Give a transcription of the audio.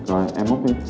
rồi em múc đi